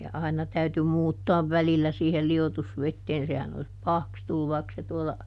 ja aina täytyi muuttaa välillä siihen liotusveteen sehän olisi pahaksi tullut vaikka se tuolla